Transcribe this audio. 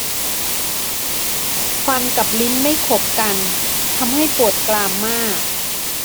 ฟันกับลิ้นไม่ขบกันทำให้ปวดกรามมาก